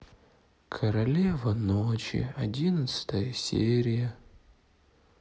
королева ночи одиннадцатая серия